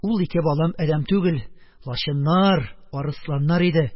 Ул ике балам адәм түгел, лачыннар, арысланнар иде.